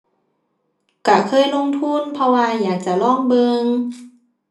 ก็เคยลงทุน เพราะว่าอยากจะลองเบิ่ง